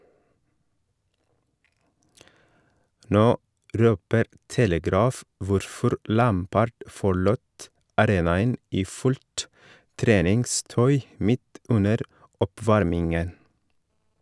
Nå røper Telegraph hvorfor Lampard forlot arenaen i fullt treningstøy midt under oppvarmingen.